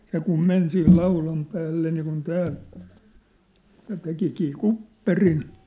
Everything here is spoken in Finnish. se kun meni siihen laudan päälle niin kuin tämä ja tekikin kupperin